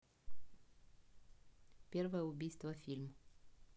первое убийство фильм